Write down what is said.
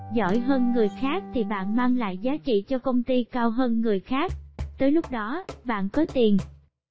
giỏi hơn người khác thì bạn mang lại giá trị cho công ty cao hơn người khác tới lúc đó bạn có tiền